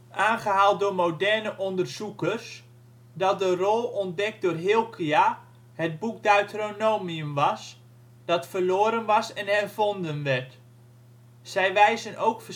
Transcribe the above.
aangehaald door moderne onderzoekers) dat de rol ontdekt door Hilkia het boek Deuteronomium was, dat verloren was en hervonden werd. Zij wijzen ook